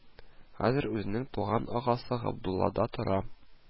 Хәзер үзенең туган агасы Габдуллада тора